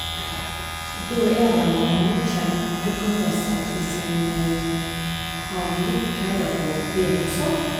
Da er det mye en kan plukke med seg hvis en s har litt greie på bær og sopp.